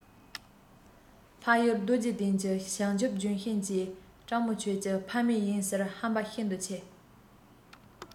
འཕགས ཡུལ རྡོ རྗེ གདན གྱི བྱང ཆུབ ལྗོན ཤིང བཅས སྤྲང མོ ཁྱོད ཀྱི ཕ མེས ཡིན ཟེར བ ཧམ པ ཤིན ཏུ ཆེ